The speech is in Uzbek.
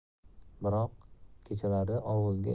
biroq kechalari ovulga